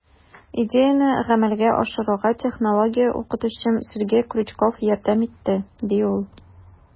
Идеяне гамәлгә ашыруга технология укытучым Сергей Крючков ярдәм итте, - ди ул.